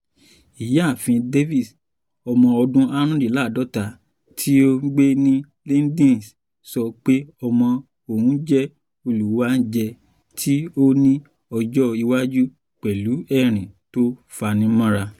Ìyàáfin Davis, ọmọ ọdún 45, tíó ń gbé ní Lydney, sọ pé ọmọ òun jẹ́ olúwáńjẹ tí ‘’o ní ọjọ́ iwáajú pẹ̀lú ẹ̀rín tó fanimọ́ra